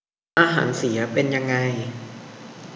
อาหารเสียเป็นยังไง